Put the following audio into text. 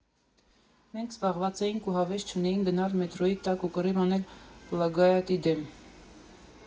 Մենք զբաղված էինք, ու հավես չունեինք գնալ մետրոյի տակ ու կռիվ անել պլագիատի դեմ։